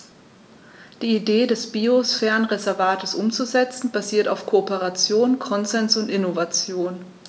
Die Idee des Biosphärenreservates umzusetzen, basiert auf Kooperation, Konsens und Innovation.